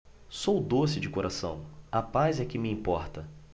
sou doce de coração a paz é que me importa